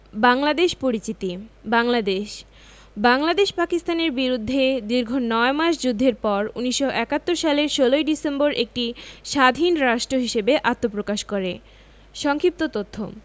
বাংলাদেশ পরিচিতি বাংলাদেশ বাংলাদেশ পাকিস্তানের বিরুদ্ধে দীর্ঘ নয় মাস যুদ্ধের পর ১৯৭১ সালের ১৬ ডিসেম্বর একটি স্বাধীন রাষ্ট্র হিসেবে আত্মপ্রকাশ করে সংক্ষিপ্ত তথ্য